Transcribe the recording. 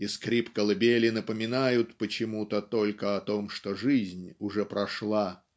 и скрип колыбели напоминают почему-то только о том что жизнь уже прошла